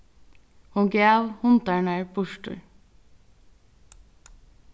hon gav hundarnar burtur